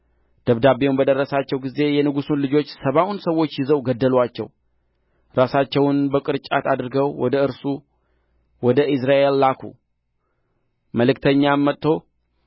ደብዳቤውም በደረሳቸው ጊዜ የንጉሡን ልጆች ሰባውን ሰዎች ይዘው ገደሉአቸው ራሳቸውንም በቅርጫት አድርገው ወደ እርሱ ወደ ኢይዝራኤል ላኩ መልእክተኛም መጥቶ